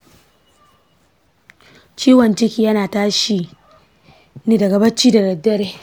ciwon ciki yana tashi ni daga barci da daddare.